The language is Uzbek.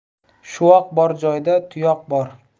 shuvoq bor joyda tuyoq bor